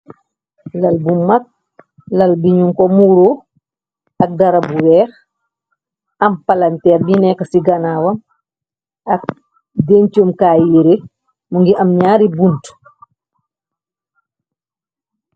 Lal bu mag, lal bi ñung ko muuro ak darabu weeh. Am palanteer bi nekk ci ganaawa ak benchumkaay yeere mu ngi am ñaari bunt.